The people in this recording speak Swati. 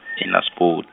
eNaspo-.